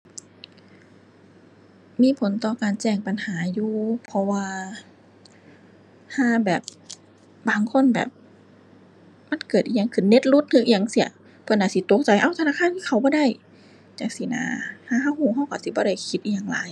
มีผลต่อการแจ้งปัญหาอยู่ เพราะว่าห่าแบบ บางคนแบบ มันเกิดอิหยังขึ้น เน็ตหลุดรึอิหยังจั่งซี้ เพิ่นอาจสิตกใจ เอ้า ธนาคารคือเข้าบ่ได้จั่งซี้น่ะ ห่ารึรึรึรึสิบ่ได้คิดอิหยังหลาย